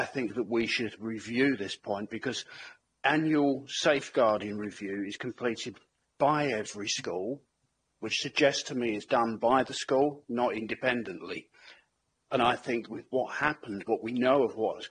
I think that we should review this point because annual safeguarding review is completed by every school which suggests to me is done by the school not independently and I think with what happened what we know of what's